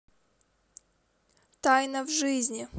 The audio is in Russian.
тайна жизни